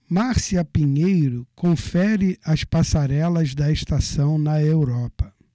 márcia pinheiro confere as passarelas da estação na europa